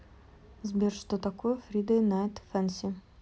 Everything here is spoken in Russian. сбер что такое friday night fancy